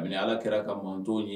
Mɛ ala kɛra ka mant ye